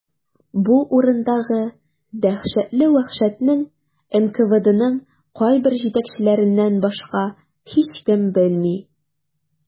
Бу урындагы дәһшәтле вәхшәтне НКВДның кайбер җитәкчеләреннән башка һичкем белми.